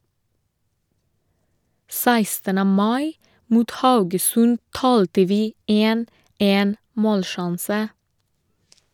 16. mai mot Haugesund talte vi 1 - én - målsjanse.